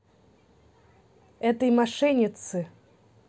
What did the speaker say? этой мошенницы